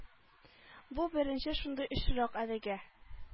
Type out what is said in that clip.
Бу беренче шундый очрак әлегә